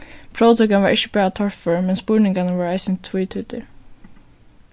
próvtøkan var ikki bara torfør men spurningarnir vóru eisini tvítýddir